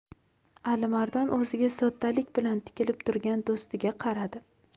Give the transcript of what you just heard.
alimardon o'ziga soddalik bilan tikilib turgan do'stiga qaradi